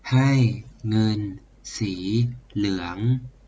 ให้เงินสีเหลือง